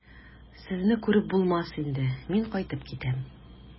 Сезне күреп булмас инде, мин кайтып китәм.